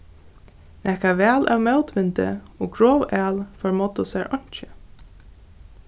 nakað væl av mótvindi og grov æl formáddu sær einki